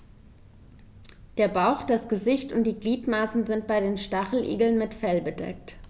Der Bauch, das Gesicht und die Gliedmaßen sind bei den Stacheligeln mit Fell bedeckt.